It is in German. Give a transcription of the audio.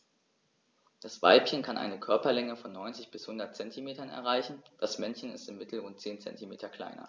Das Weibchen kann eine Körperlänge von 90-100 cm erreichen; das Männchen ist im Mittel rund 10 cm kleiner.